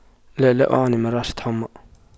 لا لا أعاني من رعشة حمى